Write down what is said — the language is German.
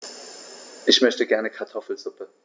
Ich möchte gerne Kartoffelsuppe.